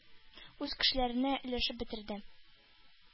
Үз кешеләренә өләшеп бетерде.